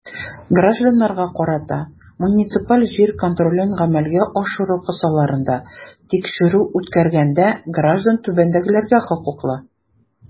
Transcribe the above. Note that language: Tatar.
Гражданнарга карата муниципаль җир контролен гамәлгә ашыру кысаларында тикшерү үткәргәндә граждан түбәндәгеләргә хокуклы.